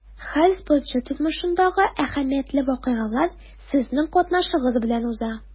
Һәр спортчы тормышындагы әһәмиятле вакыйгалар сезнең катнашыгыз белән уза.